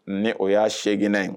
Ni o y'a senigna ye